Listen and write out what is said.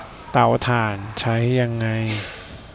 เตาถ่านใช้ยังไง